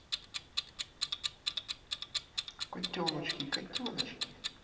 котеночки котеночки